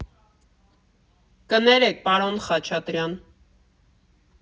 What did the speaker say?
Կներեք, պարոն Խաչատրյան։